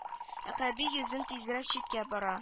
Акъәби йөзен тизрәк читкә бора